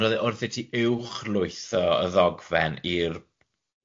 O, ond o'dd e wrth i ti uwchlwytho y ddogfen i'r